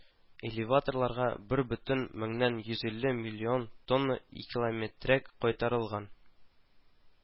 Элеваторларга бер бөтен меңнән йөз илле миллион тонна икилометрәк кайтарылган